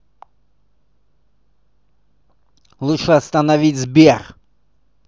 лучше остановить сбер